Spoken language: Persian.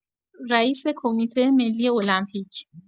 رئیس کمیته ملی المپیک